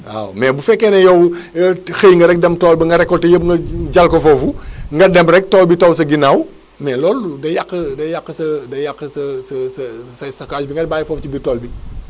waaw mais bu fekkee ne yow xëy nga rek dem tool ba nga récolté yëpp nga jal ko foofu nga dem rek taw bi taw sa ginnaaw mais loolu day yàq day yàq sa day yàq sa sa sa sa sa case bi ngay bàyyi foofu ci biir tool bi